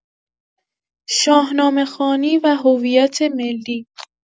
شاهنامه‌خوانی و هویت ملی